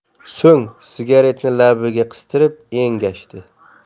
so'ng sigaretni labiga qistirib engashdi